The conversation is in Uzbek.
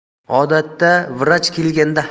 odatda vrach kelganda